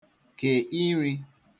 ke ir̄i